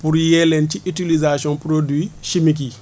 pour yee leen ci utilisation produits chimiques yi